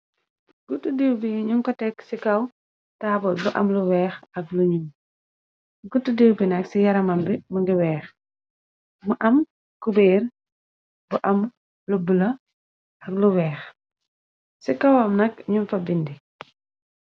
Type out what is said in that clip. Guutu diiw bi ñun ko tekk ci kaw taaba bu am lu weex ak lu nu gutu diiw bi nak ci yaramam bi mu ngi weex mu am cubéer bu am lubb la ak lu weex ci kawam nak ñum fa bindi.